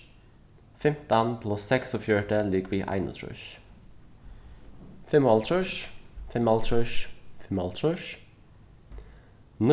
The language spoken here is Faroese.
fimtan pluss seksogfjøruti ligvið einogtrýss fimmoghálvtrýss fimmoghálvtrýss fimmoghálvtrýss